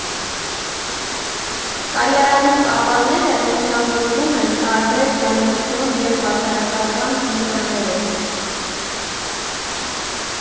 Կայարանի ծավալները հիմնավորվում են տարբեր կոմերցիոն և հասարակական ֆունկցիաներով։